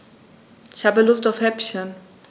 Ich habe Lust auf Häppchen.